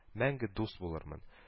Мәңге дуст булырмын